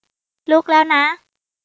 ลุกแล้วนะ